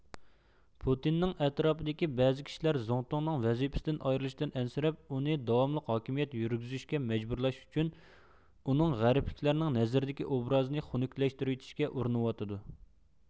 پۇتىننىڭ ئەتراپىدىكى بەزى كىشىلەر زۇڭتۇڭنىڭ ۋەزىپىسىدىن ئايرىلىشىدىن ئەنسىرەپ ئۇنى داۋاملىق ھاكىمىيەت يۈرگۈزۈشكە مەجبۇرلاش ئۈچۈن ئۇنىڭ غەربلىكلەرنىڭ نەزىرىدىكى ئوبرازىنى خۈنۈكلەشتۈرۈۋېتىشكە ئۇرۇنۇۋاتىدۇ